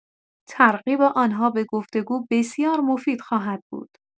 ترغیب آن‌ها به گفت‌وگو بسیار مفید خواهد بود.